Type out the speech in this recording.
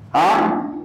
A